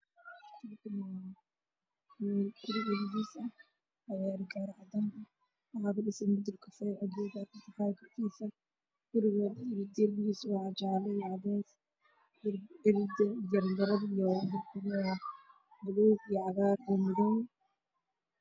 Halkaan waxaa ka muuqdo guri leh jaraanjaro banaanka ah midabkeeda waa buluug xigeen madaw iyo cadays waxaa guriga geeskeeda ka muuqdo gaari cadaan ah